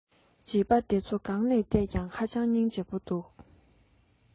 བྱིས པ འདི ཚོ གང ནས ལྟས ཀྱང ཧ ཅང རྙིང རྗེ པོ འདུག